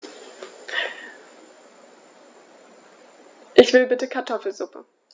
Ich will bitte Kartoffelsuppe.